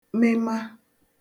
mema